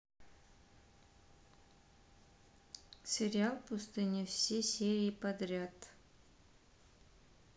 сериал пустыня все серии подряд